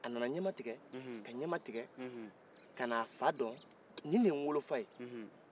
a nana ɲamatikɛ ka ɲamatikɛ kana fa dɔn ni de ye n wolo fa ye